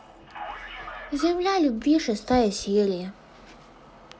земля любви шестая серия